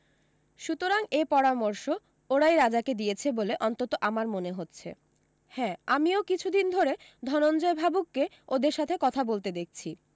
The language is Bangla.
সুতরাং এ পরামর্শ ওরাই রাজাকে দিয়েছে বলে অন্তত আমার মনে হচ্ছে হ্যাঁ আমিও কিছুদিন ধরে ধনঞ্জয় ভাবুককে ওদের সাথে কথা বলতে দেখছি